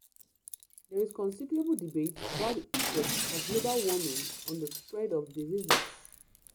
“There is considerable debate about the effect of global warming on the spread of diseases.